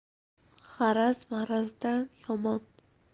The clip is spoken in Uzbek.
g'araz marazdan yomon